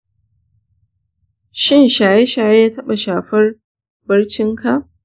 shin shaye-shaye ya taɓa shafar barcinka?